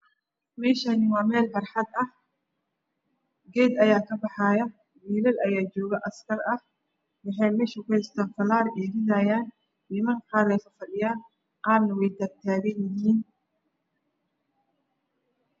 Meeshani waa meel barxad ah geed ayaa kabaxaayo wilal ayaa jooga askar ah waxay meeshani ku haystaa falaar nimanka meeshani fadhiyaan qarna way tagtagan yihin